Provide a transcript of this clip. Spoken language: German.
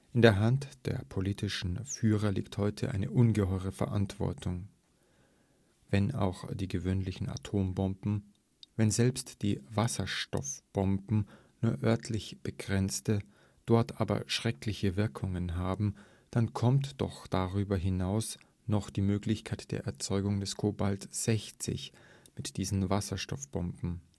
In der Hand der politischen Führer liegt heute eine ungeheure Verantwortung. Wenn auch die gewöhnlichen Atombomben, wenn selbst die Wasserstoffbomben nur örtlich begrenzte, dort aber schreckliche Wirkungen haben, dann kommt doch darüber hinaus noch die Möglichkeit der Erzeugung des Cobalts 60 mit diesen Wasserstoffbomben